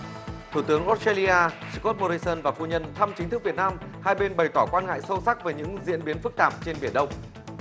thủ tướng ốp sờ trây li a sờ cót mo ri son và phu nhân thăm chính thức việt nam hai bên bày tỏ quan ngại sâu sắc về những diễn biến phức tạp trên biển đông